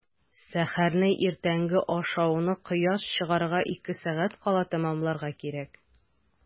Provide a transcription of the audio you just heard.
Сәхәрне – иртәнге ашауны кояш чыгарга ике сәгать кала тәмамларга кирәк.